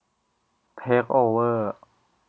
เทคโอเวอร์